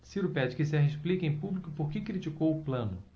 ciro pede que serra explique em público por que criticou plano